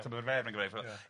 T'mo' ma'r ferf yn gwneud .